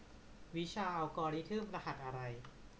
วิชาอัลกอริทึมรหัสอะไร